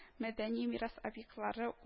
Мәдәни мирас объектлары